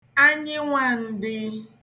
anyịnwaṇdị